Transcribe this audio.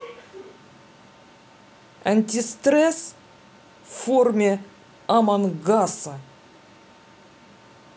антистресс в форме аман гаса